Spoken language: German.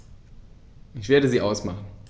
Ich werde sie ausmachen.